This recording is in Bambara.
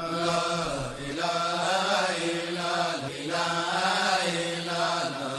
Sanunɛlala